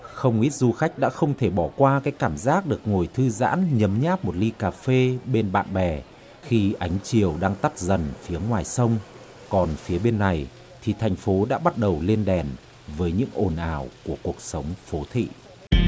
không ít du khách đã không thể bỏ qua cái cảm giác được ngồi thư giãn nhấm nháp một ly cà phê bên bạn bè khi ánh chiều đang tắt dần phía ngoài sông còn phía bên này thì thành phố đã bắt đầu lên đèn với những ồn ào của cuộc sống phố thị